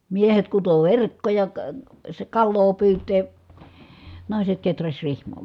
miehet kutoi verkkoja -- kalaa pyytää naiset kehräsi rihmoja